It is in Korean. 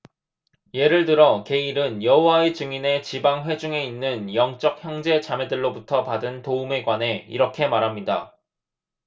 예를 들어 게일은 여호와의 증인의 지방 회중에 있는 영적 형제 자매들로부터 받은 도움에 관해 이렇게 말합니다